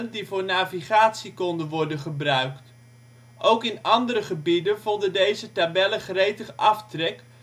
voor navigatie konden gebruiken. Ook in andere gebieden vonden deze tabellen gretig aftrek